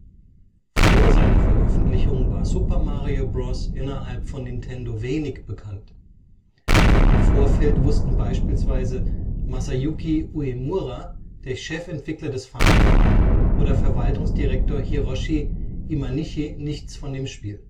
Vor seiner Veröffentlichung war Super Mario Bros. innerhalb von Nintendo wenig bekannt. Im Vorfeld wussten beispielsweise Masayuki Uemura, der Chefentwickler des Famicom, oder Verwaltungsdirektor Hiroshi Imanishi nichts von dem Spiel